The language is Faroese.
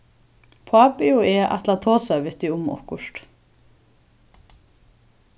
pápi og eg ætla at tosa við teg um okkurt